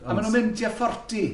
A maen nhw'n mynd tua fforti.